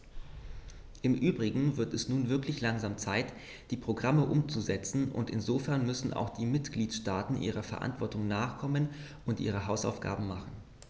Im übrigen wird es nun wirklich langsam Zeit, die Programme umzusetzen, und insofern müssen auch die Mitgliedstaaten ihrer Verantwortung nachkommen und ihre Hausaufgaben machen.